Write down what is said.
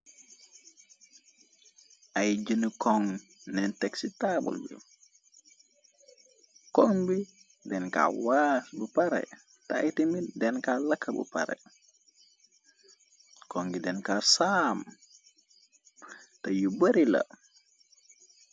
Ay jëni kong neen tegsi taabul bi kong bi den ka waas bu pare te ay ti mi den ka laka bu pare kon ngi denka saam te yu bari la.